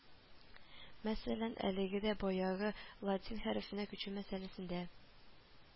Мәсәлән әлеге дә баягы латин хәрефенә күчү мәсьәләсендә